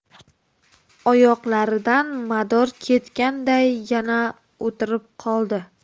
oyoqlaridan mador ketganday yana o'tirib qoldi